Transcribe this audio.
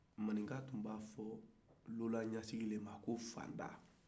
maninka tu b'a fɔ tuna ɲafigi de ma ko fanda